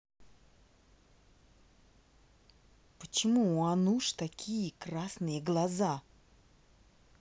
почему у ануш такие красные глаза